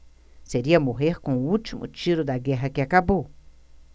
seria morrer com o último tiro da guerra que acabou